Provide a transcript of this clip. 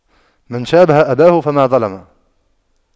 من شابه أباه فما ظلم